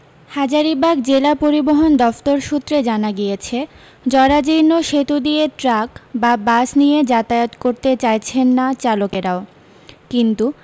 হাজারিবাগ জেলা পরিবহন দফতর সূত্রে জানা গিয়েছে জরাজীর্ণ সেতু দিয়ে ট্রাক বা বাস নিয়ে যাতায়াত করতে চাইছেন না চালকেরাও কিন্তু